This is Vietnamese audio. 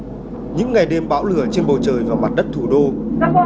những ngày đêm bão lửa trên bầu trời và mặt đất thủ đô